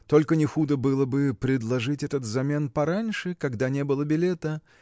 – только не худо было бы предложить этот замен пораньше когда не было билета